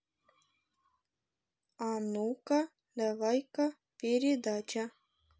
а ну ка давай ка передача